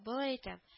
Болай әйтәм